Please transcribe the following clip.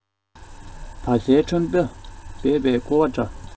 བ ཚྭའི ཁྲོན པ འབད པས རྐོ བ འདྲ